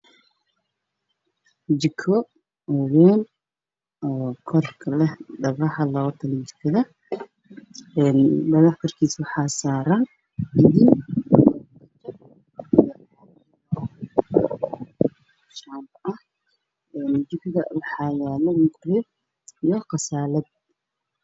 Jiko wayn oo kor ka leh dhagaxa lagu talagalay jikada ee dhagaxa korkiisa waxaa saaran tuubo cadaan ah mindiyo iyo qasaalad